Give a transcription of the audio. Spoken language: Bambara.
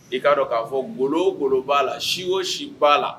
I'a dɔn k'a fɔ golo golo' la siwo si' la